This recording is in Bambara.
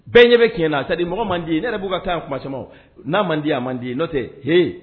Bɛɛ ɲɛ bɛ kɛ na sadi mɔgɔ man d' ye n ne de b' ka taa a kuma n'a man di a man' ye n'o tɛ he